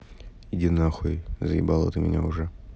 иди нахуй заебала ты меня уже